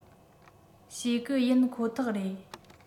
བྱེད གི ཡིན ཁོ ཐག རེད